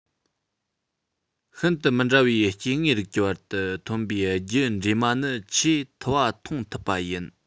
ཤིན ཏུ མི འདྲ བའི སྐྱེ དངོས རིགས ཀྱི བར དུ ཐོན པའི རྒྱུད འདྲེས མ ནི ཆེས ཐུ བ མཐོང ཐུབ པ ཡིན